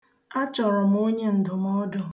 A chọrọ m onyendụmọdụ